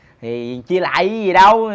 thì chia lại chứ gì đâu